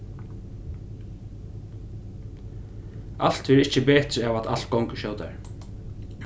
alt verður ikki betri av at alt gongur skjótari